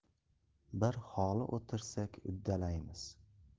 bir holi o'tirsak uddalaymiz